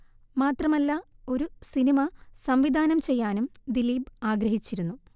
മാത്രമല്ല ഒരു സിനിമ സംവിധാനം ചെയ്യാനും ദിലീപ് ആഗ്രഹിച്ചിരുന്നു